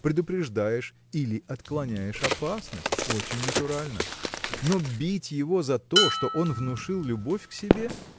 предупреждаешь или отклоняешь опасность – очень натурально! но бить его за то что он внушил любовь к себе